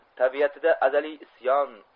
tabiatida azaliy isyon